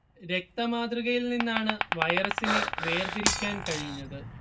രക്ത മാതൃകയിൽ നിന്നാണ് വൈറസിനെ വേർതിരിക്കാൻ കഴിഞ്ഞത്